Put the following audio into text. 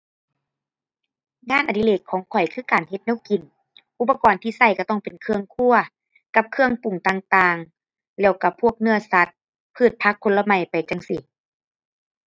งานอดิเรกของข้อยคือการเฮ็ดแนวกิน อุปกรณ์ที่ใช้ใช้ต้องเป็นเครื่องครัวกับเครื่องปรุงต่างต่าง แล้วใช้พวกเนื้อสัตว์ พืชผักผลไม้ไปจั่งซี้